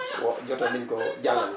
wo jotoon nañu koo jàllale